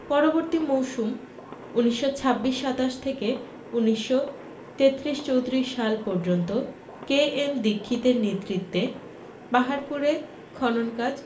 পরবর্তী মৌসুম ১৯২৬ ২৭ থেকে ১৯৩৩ ৩৪ সাল পর্যন্ত কে.এন দীক্ষিত এর নেতৃত্বে পাহাড়পুরে খনন কাজ